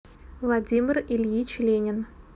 владимир ильич ленин